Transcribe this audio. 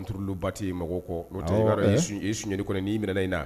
ba tɛ yen mɔgɔ kɔ i b'a dɔn nin sonyali kɔni n'i minɛna i na